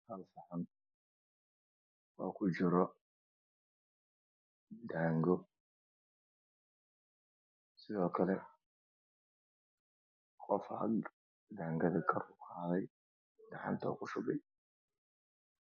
Oo kujiro guri sidokle qof ayaa taagan